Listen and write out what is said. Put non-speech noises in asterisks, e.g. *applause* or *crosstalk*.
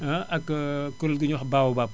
*hesitation* ak *hesitation* kuréel gu ñuy wax Baobab